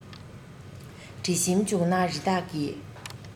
དྲི ཞིམ འབྱུང ན རི དྭགས ཀྱི